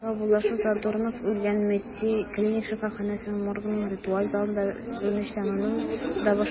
Саубуллашу Задорнов үлгән “МЕДСИ” клиник шифаханәсе моргының ритуаль залында 13:00 (мск) башланачак.